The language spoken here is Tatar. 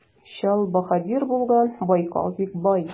Чал баһадир булган Байкал бик бай.